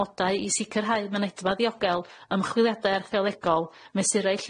amodau i sicyrhau mynedfa ddiogel, ymchwiliada archeolegol, mesurau